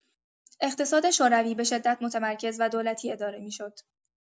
اقتصاد شوروی به‌شدت متمرکز و دولتی اداره می‌شد.